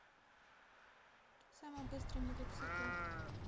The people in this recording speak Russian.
самый быстрый мотоцикл